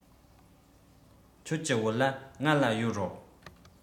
ཁྱོད ཀྱི བོད ལྭ ང ལ གཡོར རོགས